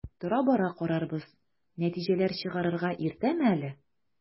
Тора-бара карарбыз, нәтиҗәләр чыгарырга иртәме әле?